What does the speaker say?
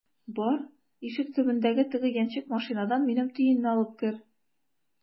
Бар, ишек төбендәге теге яньчек машинадан минем төенне алып кер!